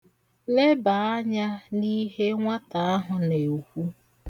Lebaa anya n'ihe nwata ahụ na-ekwu.